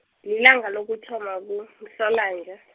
lilanga lokuthomba kuMhlolanja.